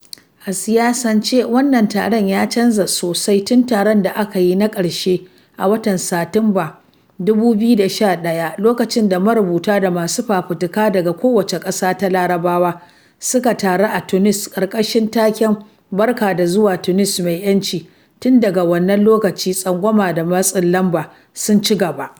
A siyasan ce wannan taron ya canza sosai tun taron da aka yi na karshe a watan Satumban 2011. Lokacin da marubuta da masu fafutuka daga kowace ƙasa ta Larabawa suka taru a Tunis, ƙarƙashin taken: "Barka da zuwa Tunis Mai 'Yanci." Tun daga wannan lokaci, tsangwama da matsin lamba sun ci gaba.